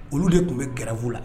Olu de tun bɛ gɛrɛw la